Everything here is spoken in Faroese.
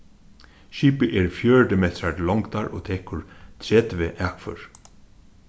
skipið er fjøruti metrar til longdar og tekur tretivu akfør